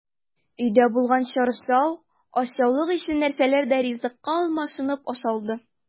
Өйдә булган чаршау, ашъяулык ише нәрсәләр дә ризыкка алмашынып ашалды.